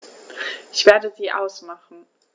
Ich werde sie ausmachen.